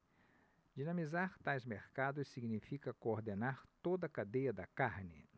dinamizar tais mercados significa coordenar toda a cadeia da carne